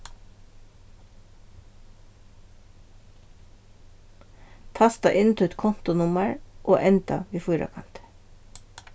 tasta inn títt kontunummar og enda við fýrakanti